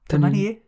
dyma ni.